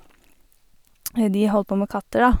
De holdt på med katter, da.